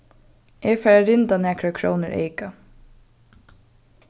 eg fari at rinda nakrar krónur eyka